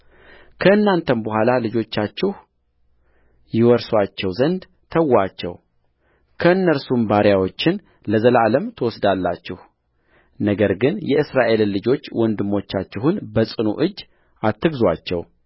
ከእናንተም በኋላ ልጆቻችሁ ይወርሱአቸው ዘንድ ተዉአቸው ከእነርሱም ባሪያዎችን ለዘላለም ትወስዳላችሁ ነገር ግን የእስራኤልን ልጆች ወንድሞቻችሁን በጽኑ እጅ አትግዙአቸው